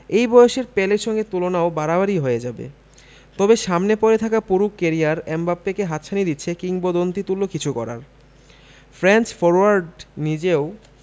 এই বয়সের পেলের সঙ্গে তুলনাও বাড়াবাড়িই হয়ে যাবে তবে সামনে পড়ে থাকা পুরো ক্যারিয়ার এমবাপ্পেকে হাতছানি দিচ্ছে কিংবদন্তিতুল্য কিছু করার ফ্রেঞ্চ ফরোয়ার্ড নিজেও